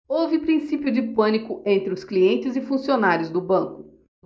houve princípio de pânico entre os clientes e funcionários do banco